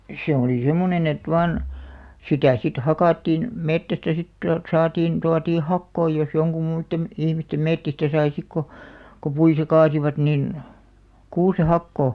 se oli semmoinen että vain sitä sitten hakattiin metsästä sitten tuolta saatiin tuotiin hakoja jos jonkun muiden ihmisten metsistä sai sitten kun kun puita kaatoivat niin kuusen hakoa